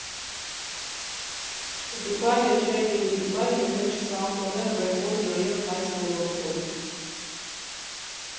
Դուբայը չէր լինի Դուբայ, եթե չսահմաներ ռեկորդ նաև այս ոլորտում.